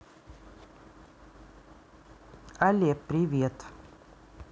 алле привет